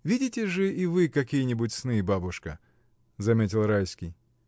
— Видите же и вы какие-нибудь сны, бабушка? — заметил Райский.